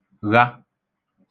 gha